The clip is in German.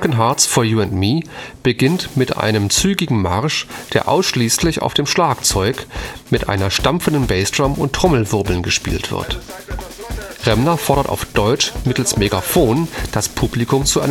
Hearts for you and me beginnt mit einem zügigen Marsch, der ausschließlich auf dem Schlagzeug mit einer stampfenden Bassdrum und Trommelwirbeln gespielt wird. Remmler fordert auf deutsch mittels Megafon das Publikum zu